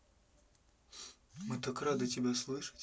мы так рады тебя слышать